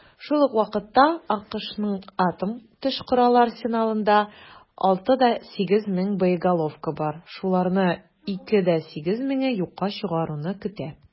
Шул ук вакытта АКШның атом төш коралы арсеналында 6,8 мең боеголовка бар, шуларны 2,8 меңе юкка чыгаруны көтә.